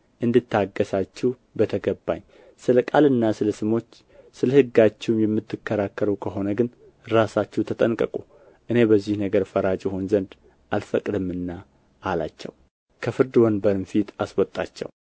እንድታገሣችሁ በተገባኝ ስለ ቃልና ስለ ስሞች ስለ ሕጋችሁም የምትከራከሩ ከሆነ ግን ራሳችሁ ተጠንቀቁ እኔ በዚህ ነገር ፈራጅ እሆን ዘንድ አልፈቅድምና አላቸው ከፍርድ ወንበርም ፊት አስወጣቸው